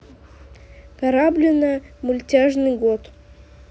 кораблино мультяжный год